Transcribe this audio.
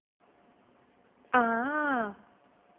ааа